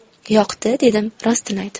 yoqdi dedim rostini aytib